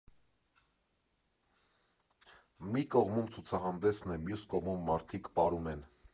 Մի կողմում ցուցահանդեսն է, մյուս կողմում մարդիկ պարում են։